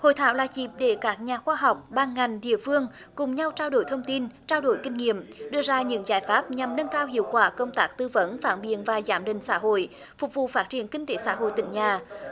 hội thảo là dịp để các nhà khoa học ban ngành địa phương cùng nhau trao đổi thông tin trao đổi kinh nghiệm đưa ra những giải pháp nhằm nâng cao hiệu quả công tác tư vấn phản biện và giám định xã hội phục vụ phát triển kinh tế xã hội tỉnh nhà